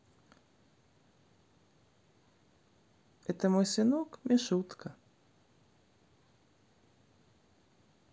это мой сынок мишутка